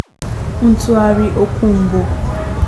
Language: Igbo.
Ntụgharị Okwu Mbụ